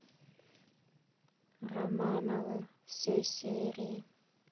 романовы все серии